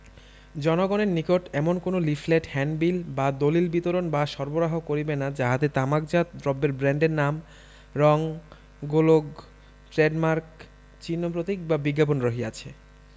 জনগণের নিকট এমন কোন লিফলেট হ্যান্ডবিল বা দলিল বিতরণ বা সরবরাহ করিবেনা যাহাতে তামাকজাত দ্রব্যের ব্রান্ডের নাম রং গোলোগ ট্রেডমার্ক চিহ্ন প্রতীক বা বিজ্ঞাপন রহিয়াছে